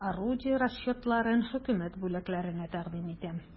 Орудие расчетларын хөкүмәт бүләкләренә тәкъдим итәм.